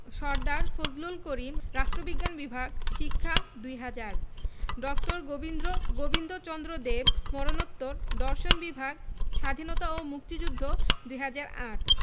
সরদার ফজলুল করিম রাষ্ট্রবিজ্ঞান বিভাগ শিক্ষা ২০০০ ড. গোবিন্দ্র গোবিন্দচন্দ্র দেব মরনোত্তর দর্শন বিভাগ স্বাধীনতা ও মুক্তিযুদ্ধ ২০০৮